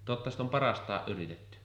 totta sitä on parastaan yritetty